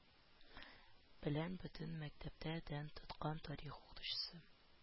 Белән бөтен мәктәптә дан тоткан тарих укытучысы